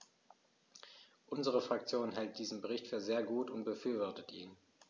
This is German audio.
Unsere Fraktion hält diesen Bericht für sehr gut und befürwortet ihn.